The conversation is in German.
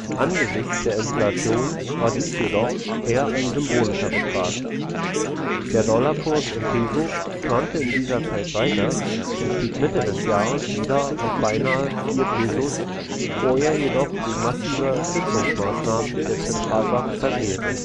angesichts der Inflation war dies jedoch eher ein symbolischer Betrag. Der Dollarkurs in Peso schwankte in der Zeit weiter und stieg Mitte des Jahres wieder auf beinahe 4 Pesos, wo er jedoch wegen massiver Stützmaßnahmen der Zentralbank stagnierte